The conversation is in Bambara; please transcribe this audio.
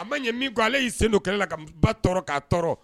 A ma ɲɛ min ko ale y'i sen dɔ kɛlɛ la ka ba tɔɔrɔ k'a tɔɔrɔ